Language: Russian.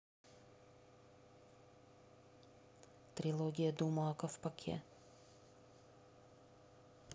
трилогия дума о ковпаке